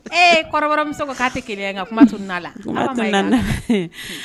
Ee kɔrɔmuso ko k'a tɛ kelen ka kuma to na